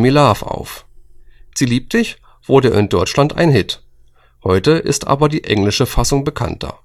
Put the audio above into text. Love auf. Sie liebt dich wurde in Deutschland ein Hit; heute ist aber die englische Fassung bekannter